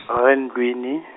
re ndlwini.